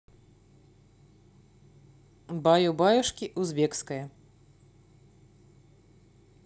баю баюшки узбекская